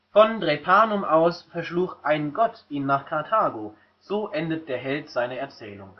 Drepanum aus verschlug „ ein Gott “ihn nach Karthago, so endet der Held seine Erzählung